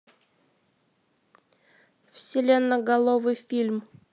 вселенноголовый фильм